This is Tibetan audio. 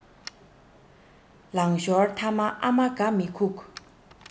ལང ཤོར ཐ མ ཨ མ དགའ མི ཁུག